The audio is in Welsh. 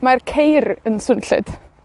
mae'r ceir yn swnllyd.